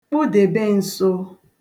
kpụdèbe ǹso